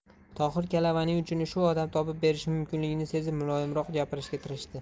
tohir kalavaning uchini shu odam topib berishi mumkinligini sezib muloyimroq gapirishga tirishdi